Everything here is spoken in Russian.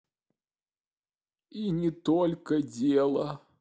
и не только дело